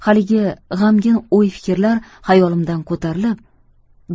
haligi g'amgin o'y fikrlar xayolimdan ko'tarilib